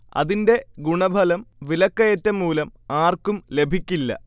അതിന്റെ ഗുണഫലം വിലക്കയറ്റം മൂലം ആർക്കും ലഭിക്കില്ല